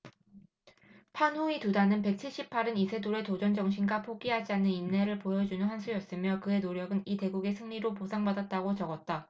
판후이 두 단은 백 칠십 팔 은 이세돌의 도전정신과 포기하지 않는 인내를 보여주는 한 수였으며 그의 노력은 이 대국의 승리로 보상받았다고 적었다